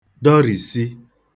dọrìsi